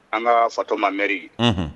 An ka fatomameri